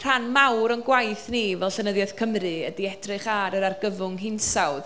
Rhan mawr o'n gwaith ni fel Llenyddiaeth Cymru ydy edrych ar yr argyfwng hinsawdd.